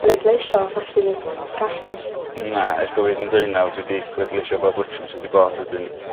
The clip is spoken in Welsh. bleidleisio felly yym gallwn. Na e's bod fi dd- yn ddeunaw dwi 'di pleidleisio bob 'lection sy 'di bod wedyn